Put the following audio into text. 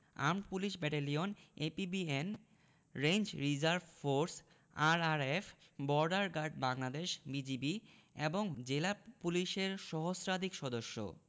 armed police battalion APBN range reserve force RRF border guard Bangladesh BGB এবং জেলা পুলিশের সহস্রাধিক সদস্য